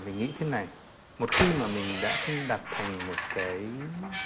mình nghĩ thế này một khi mà mình đã không đặt thành một cái